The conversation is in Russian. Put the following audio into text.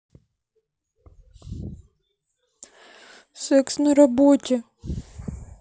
секс на работе